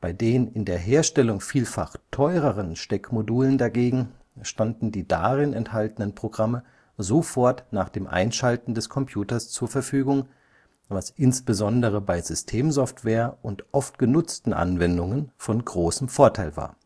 den in der Herstellung vielfach teureren Steckmodulen dagegen standen die darin enthaltenen Programme sofort nach dem Einschalten des Computers zur Verfügung, was insbesondere bei Systemsoftware und oft genutzten Anwendungen von großem Vorteil war